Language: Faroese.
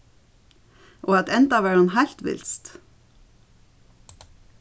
og at enda var hon heilt vilst